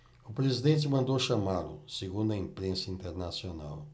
o presidente mandou chamá-lo segundo a imprensa internacional